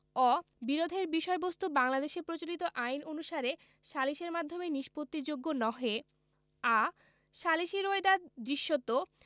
অ বিরোধের বিষয়বস্তু বাংলাদেশে প্রচলিত আইন অনুসারে সালিসের মাধ্যমে নিষ্পত্তিযোগ্য নহে আ সালিসী রোয়েদাদ দৃশ্যত